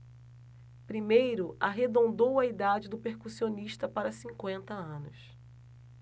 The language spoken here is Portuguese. primeiro arredondou a idade do percussionista para cinquenta anos